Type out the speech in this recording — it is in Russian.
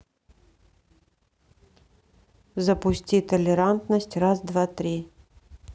запусти толерантность раз два три